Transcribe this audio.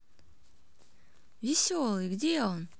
веселый где он